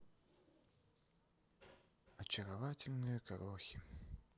очаровательные крохи